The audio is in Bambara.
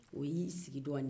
o yi sigi dɔɔni